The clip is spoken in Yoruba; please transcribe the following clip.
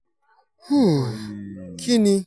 Uh, uh, kínni.